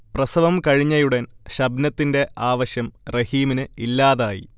പ്രസവം കഴിഞ്ഞയുടൻ ഷബ്നത്തിന്റെ ആവശ്യം റഹീമിന് ഇല്ലാതായി